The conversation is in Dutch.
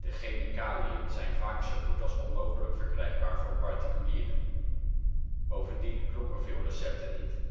chemicaliën zijn vaak zo goed als onmogelijk verkrijgbaar voor particulieren. Bovendien kloppen veel recepten niet